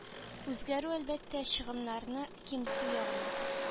Үзгәрү әлбәттә чыгымнарны киметү ягына